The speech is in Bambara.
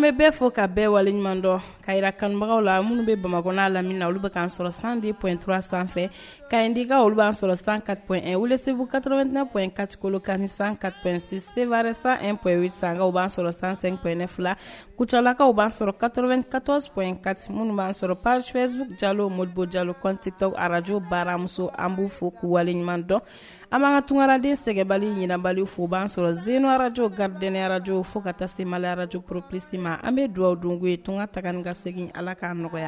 bɛ bɛ fɔ ka bɛɛ wale ɲuman dɔ ka jira kanbagaw la minnu bɛ bamana lammina na olu bɛ ka sɔrɔ sandi pti sanfɛ ka ɲi dika olu b' sɔrɔ sankapɛ segukaoro2ɛ in kati 1 kapre san0pkaw b' sɔrɔ san2pɛ fila kutalakaw b'a sɔrɔ katooro2 katɔs co in kati minnu' sɔrɔ paspyz jalo mobu jalo cote tɔw ararajo baramuso an'u fo k wale ɲuman dɔn an man ka tunkaragaraden sɛbali ɲinbali fo b'an sɔrɔ zenorawjo garidɛnyɔrɔraj fo ka taa semayɔrɔrajuroropsi ma an bɛ dugawu don ye tun ka taga ka segingin ala k kaa nɔgɔya